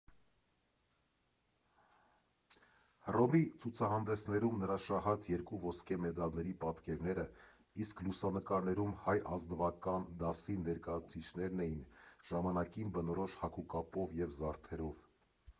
Հռոմի ցուցահանդեսներում նրա շահած երկու ոսկե մեդալների պատկերները, իսկ լուսանկարներում հայ ազնվական դասի ներկայացուցիչներն էին՝ ժամանակին բնորոշ հագուկապով և զարդերով։